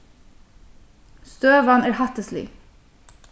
støðan er hættislig